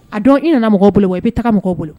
A dɔn i nana mɔgɔ bolo wa i bɛ taga mɔgɔ bolo